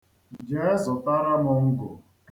Jee zụtara m ngụ.